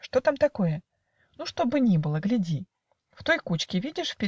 что там такое?" - Ну, что бы ни было, гляди. В той кучке, видишь?